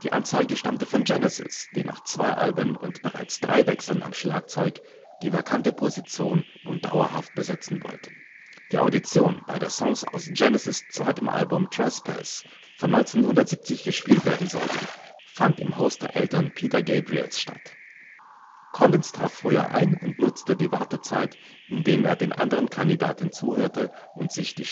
Anzeige stammte von Genesis, die nach zwei Alben und bereits drei Wechseln am Schlagzeug die vakante Position nun dauerhaft besetzen wollten. Die Audition, bei der Songs aus Genesis ' zweitem Album Trespass (1970) gespielt werden sollten, fand im Haus der Eltern Peter Gabriels statt. Collins traf früher ein und nutzte die Wartezeit, indem er den anderen Kandidaten zuhörte und sich die